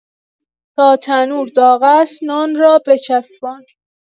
تا تنور داغ است نان را بچسبان